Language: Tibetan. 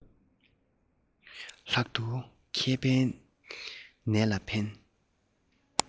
ལྷག ཏུ མཁལ མའི ནད ལ ཕན